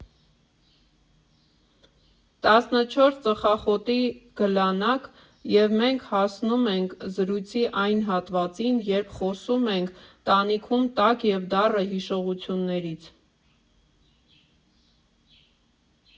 Տասնչորս ծխախոտի գլանակ, և մենք հասնում ենք զրույցի այն հատվածին, երբ խոսում ենք տանիքում տաք և դառը հիշողություններից։